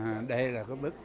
đây là cái bức